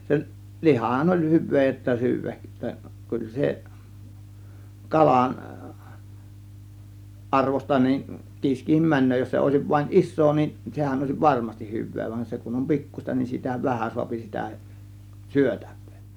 se lihahan oli hyvää - että syödä kyllä se kalan arvoista niin kiiskikin menee jos se olisi vain iso niin sehän olisi varmasti hyvää vaan se kun on pikkuista niin sitä vähän saa sitä syötävää